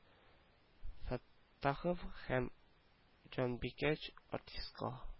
Фәттахов һәм җанбикәч артистка